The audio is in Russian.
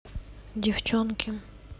девчонки